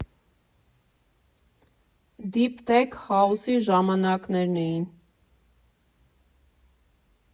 Դիփ թեք հաուսի ժամանակներն էին։